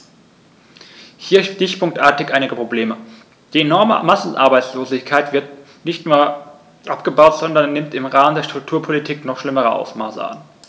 Hier stichpunktartig einige Probleme: Die enorme Massenarbeitslosigkeit wird nicht nur nicht abgebaut, sondern nimmt im Rahmen der Strukturpolitik noch schlimmere Ausmaße an.